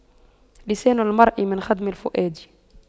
لسان المرء من خدم الفؤاد